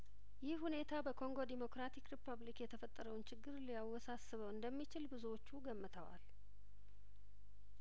ይህ ሁኔታ በኮንጐ ዴሞክራቲክ ሪፐብሊክ የተፈጠረውን ችግር ሊያወሳስበው እንደሚችል ብዙዎቹ ገምተዋል